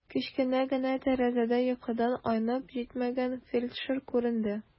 Кечкенә генә тәрәзәдә йокыдан айнып җитмәгән фельдшер күренде.